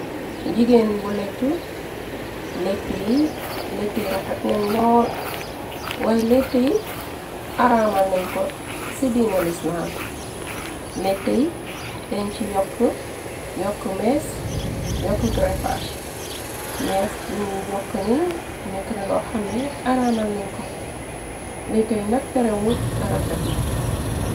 Jigéen bu lettu, lettu yi lëttiy rafet nañ lool! waaye lette yi araamal nañ ko ci diina lislam. Lettey deñ ci yokk , yokk mees. Yokk grefag meers biñu yokk ni, nekkna loo xamne araamal nañ ko. Leteyi nak terewul rafet na.